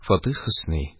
Фатих Хөсни